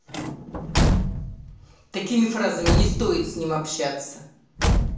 такими фразами не стоит с ним общаться